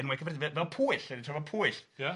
Enwau cyffredin, fe- fel Pwyll, dan ni'n trafod Pwyll... Ia.